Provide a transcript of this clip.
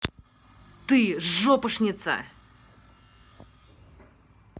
ты жопашница